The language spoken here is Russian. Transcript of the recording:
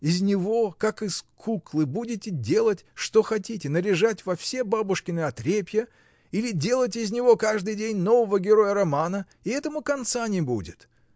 Из него, как из куклы, будете делать что хотите: наряжать во все бабушкины отрепья или делать из него каждый день нового героя романа, и этому конца не будет.